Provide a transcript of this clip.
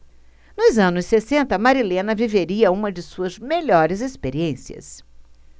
nos anos sessenta marilena viveria uma de suas melhores experiências